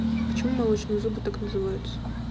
ну а почему молочные зубы так называются